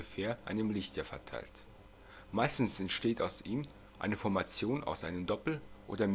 einem Lichtjahr verteilt. Meistens entsteht aus ihm eine Formation aus einem Doppel - oder Mehrfachsternensystem